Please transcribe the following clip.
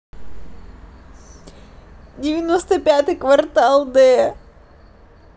девяносто пятый квартал d